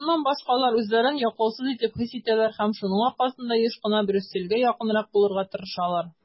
Шуннан башка алар үзләрен яклаусыз итеп хис итәләр һәм шуның аркасында еш кына Брюссельгә якынрак булырга тырышалар.